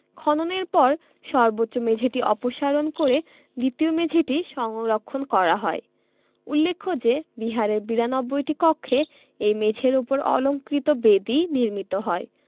খননের পর সর্বোচ্চ মেঝেটি অপসারণ করে দ্বিতীয় মেঝেটি সংরক্ষণ করা হয় উল্লেখ্য যে বিহারের ৯২টি কক্ষে এই মেঝের উপর অলংকৃত বেদি নির্মিত হয়